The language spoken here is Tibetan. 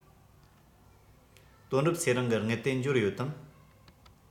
དོན གྲུབ ཚེ རིང གི དངུལ དེ འབྱོར ཡོད དམ